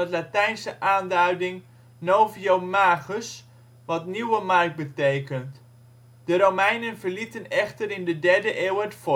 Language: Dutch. Latijnse aanduiding " Novio-magus ", wat ' nieuwe markt ' betekent. De Romeinen verlieten echter in de 3e eeuw het